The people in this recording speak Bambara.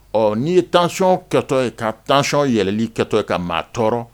Ɔ n'i ye tancɔn kɛtɔ ye ka tancɔn yɛlɛli kɛtɔ ye ka maa tɔɔrɔ